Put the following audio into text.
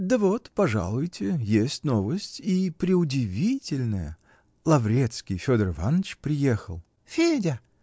да вот пожалуйте, есть новость, и преудивительная: Лаврецкий Федор Иваныч приехал. -- Федя!